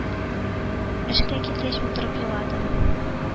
Эшкә килгәч, утырып еладым.